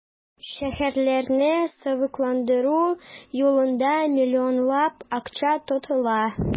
Шәһәрләрне савыкландыру юлында миллионлап акча тотыла.